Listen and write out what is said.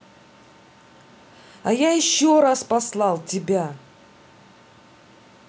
я еще раз послал тебя